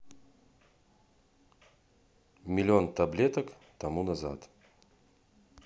миллион таблеток тому назад